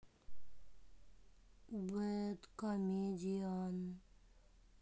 бэд комедиан